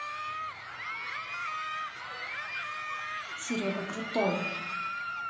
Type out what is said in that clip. серега крутой